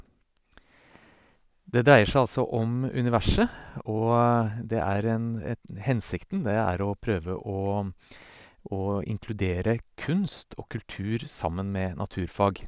Det dreier seg altså om universet, og det er en et hensikten det er å prøve å å inkludere kunst og kultur sammen med naturfag.